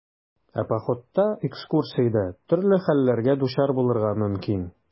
Ә походта, экскурсиядә төрле хәлләргә дучар булырга мөмкин.